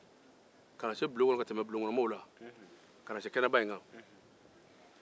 ka na se bulon kɔnɔ na tɛmɛ o mɔgɔw la ka na kɛnɛba in kan